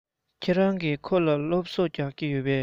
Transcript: ཁྱེད རང གིས ཁོ ལ སློབ གསོ རྒྱག གི ཡོད པས